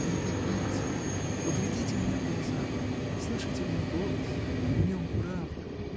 — Не бегите, поглядите мне в глаза, слышите мой голос: в нем правда!